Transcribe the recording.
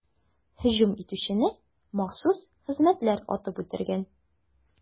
Һөҗүм итүчене махсус хезмәтләр атып үтергән.